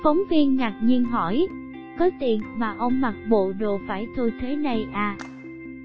phóng viên có tiền mà ông mặc bộ đồ vải thô thế này à